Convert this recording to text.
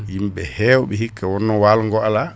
yimɓeɓe hewɓe hikka wonno waalo ngo ala